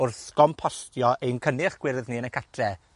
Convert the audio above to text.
wrth gompostio ein cynnyrch gwyrdd ni yn y catre.